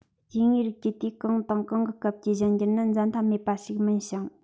སྐྱེ དངོས རིགས ཀྱི དུས གང དང གང གི སྐབས ཀྱི གཞན འགྱུར ནི འཛད མཐའ མེད པ ཞིག མིན ཞིང